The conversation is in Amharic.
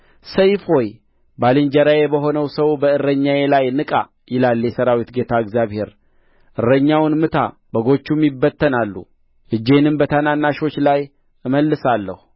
ሰይፍ ሆይ ባልንጀራዬ በሆነው ሰው በእረኛዬ ላይ ንቃ ይላል የሠራዊት ጌታ እግዚአብሔር እረኛውን ምታ በጎቹም ይበተናሉ እጄንም በታናናሾች ላይ እመልሳለሁ